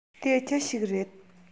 དེ ཅི ཞིག རེད